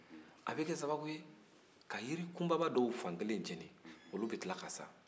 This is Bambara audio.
a bɛ kɛ sababu ye ka yirikunbaba dɔw fan kɛlen jeni olu bɛ tila ka sa